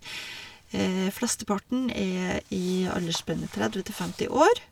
Flesteparten er i aldersspennet tredve til femti år.